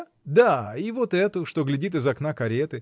— Да, и вот эту, что глядит из окна кареты?